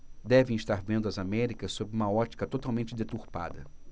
devem estar vendo as américas sob uma ótica totalmente deturpada